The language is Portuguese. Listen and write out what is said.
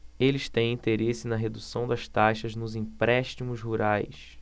eles têm interesse na redução das taxas nos empréstimos rurais